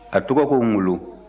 a tɔgɔ ko ngolo